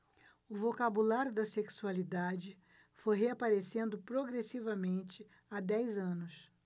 o vocabulário da sexualidade foi reaparecendo progressivamente há dez anos